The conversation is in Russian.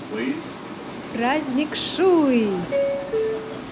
праздник шуи